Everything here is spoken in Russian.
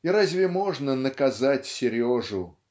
И разве можно наказать Сережу